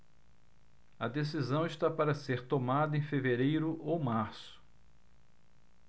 a decisão está para ser tomada em fevereiro ou março